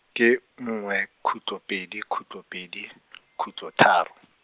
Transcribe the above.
ke nngwe khutlo pedi khutlo pedi , khutlo tharo.